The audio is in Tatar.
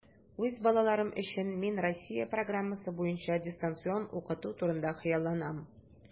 Үз балаларым өчен мин Россия программасы буенча дистанцион укыту турында хыялланам.